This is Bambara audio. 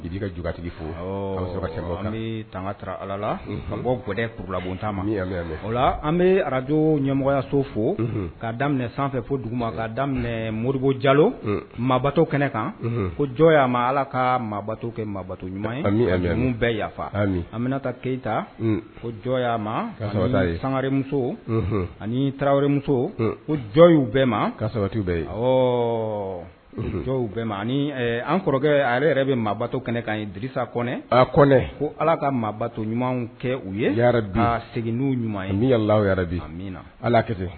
' ka jtigi fo tanga ala la ka bɔ gɛ kurulabonta ma o la an bɛ arajo ɲɛmɔgɔyaso fo ka daminɛ sanfɛ fo dugu ma ka daminɛ moribugu jalo maabato kɛnɛ kan ko jɔn y'a ma ala ka maabato kɛ maato ɲuman ye bɛɛ yafa an bɛna taa keyita ko jɔn' ma sanremuso ani taraweleremuso jɔn y' bɛɛ ma katu ye ɔ donsou bɛɛ ma an kɔrɔkɛ yɛrɛ bɛ maabato kɛnɛ kan ye disa kɔnɛɛ ko ala ka maabato ɲuman kɛ u ye da segin'u ɲuman ye ni yɛrɛ la yɛrɛ na alaki